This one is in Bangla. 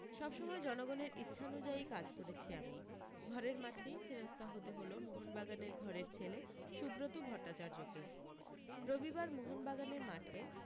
সব সময় জনগণের ইচ্ছানু্যায়ী কাজ করেছি আমি ঘরের মাঠেই হেনস্থা হতে হল মোহনবাগানের ঘরের ছেলে সুব্রত ভট্টাচার্যকে রবিবার মোহনবাগানের মাঠে